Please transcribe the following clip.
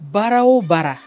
Baara o baara